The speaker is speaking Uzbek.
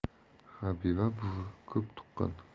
habiba buvi ko'p tuqqan